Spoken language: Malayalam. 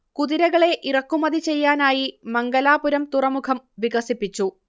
കുതിരകളെ ഇറക്കുമതി ചെയ്യാനായി മംഗലാപുരം തുറമുഖം വികസിപ്പിച്ചു